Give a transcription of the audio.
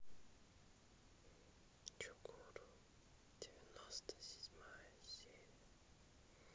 чукур девяносто седьмая серия